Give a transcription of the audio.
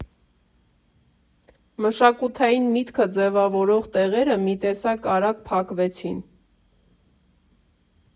Մշակութային միտքը ձևավորող տեղերը մի տեսակ արագ փակվեցին։